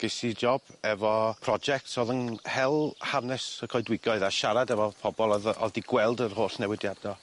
Ges i job efo projects o'dd yn hel hanes y coedwigoedd a siarad efo pobol o'dd yy o'dd 'di gweld yr holl newidia